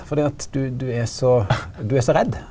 fordi at du du er så du er så redd.